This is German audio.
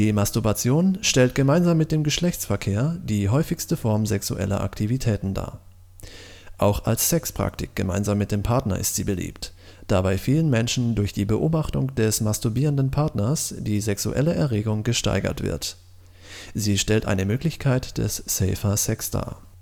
Masturbation stellt gemeinsam mit dem Geschlechtsverkehr die häufigste Form sexueller Aktivitäten dar. Auch als Sexpraktik gemeinsam mit dem Partner ist sie beliebt, da bei vielen Menschen durch die Beobachtung des masturbierenden Partners die sexuelle Erregung gesteigert wird. Sie stellt eine Möglichkeit des „ Safer Sex “dar